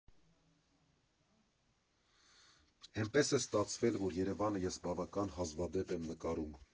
Էնպես է ստացվել, որ Երևանը ես բավական հազվադեպ եմ նկարում։